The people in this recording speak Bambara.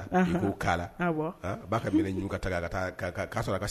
A ka